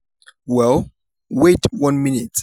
Well, wait one minute.